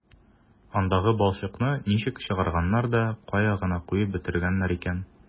Андагы балчыкны ничек чыгарганнар да кая гына куеп бетергәннәр икән...